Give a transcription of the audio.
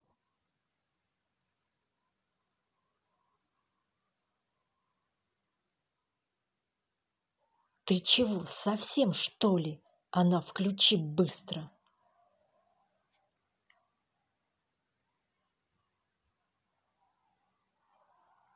ты чего совсем что ли она включи быстро